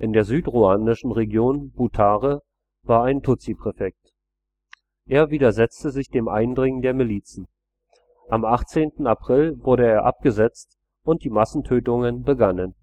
der südruandischen Region Butare war ein Tutsi-Präfekt. Er widersetzte sich dem Eindringen der Milizen. Am 18. April wurde er abgesetzt und die Massentötungen begannen